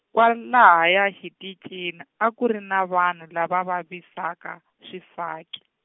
kwalaha ya xiticini a ku ri ni vanhu lava vavisaka swifaki.